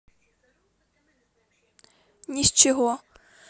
ни с чего